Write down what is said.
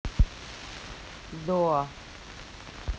doa